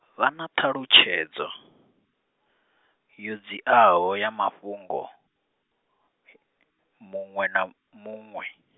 vha na ṱhalutshedzo, yo dziaho ya mafhungo, muṅwe na muṅwe.